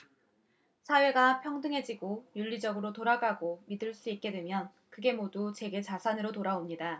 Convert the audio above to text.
사회가 평등해지고 윤리적으로 돌아가고 믿을 수 있게 되면 그게 모두 제게 자산으로 돌아옵니다